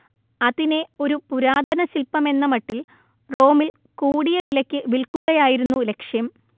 അതിനെ ഒരു പുരാതനശില്പമെന്നമട്ടിൽ റോമിൽ കൂടിയ വിലക്ക് വിൽക്കുകയായിരുന്നു ലക്ഷ്യം